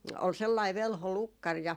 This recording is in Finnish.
oli sellainen velho lukkari ja